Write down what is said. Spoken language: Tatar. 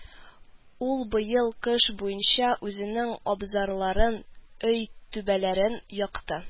Ул быел кыш буенча үзенең абзарларын, өй түбәләрен якты